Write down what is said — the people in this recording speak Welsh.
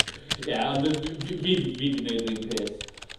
Ie ond 'yf fi fi fi'di fi 'di neud yr un peth.